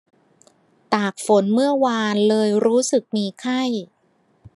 ตากฝนเมื่อวานเลยรู้สึกมีไข้